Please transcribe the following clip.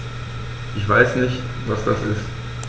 Ich weiß nicht, was das ist.